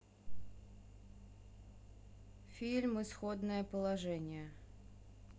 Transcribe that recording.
фильм исходное положение